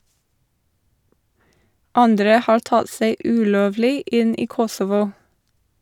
Andre har tatt seg ulovlig inn i Kosovo.